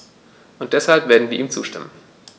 Und deshalb werden wir ihm zustimmen.